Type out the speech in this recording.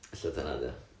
Ella dyna 'di o